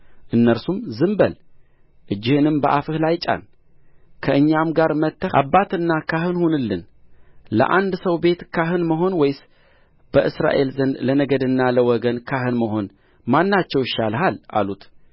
እነርሱም ዝም በል እጅህንም በአፍህ ላይ ጫን ከእኛም ጋር መጥተህ አባትና ካህን ሁንልን ለአንድ ሰው ቤት ካህን መሆን ወይስ በእስራኤል ዘንድ ለነገድና ለወገን ካህን መሆን ማናቸው ይሻልሃል አሉት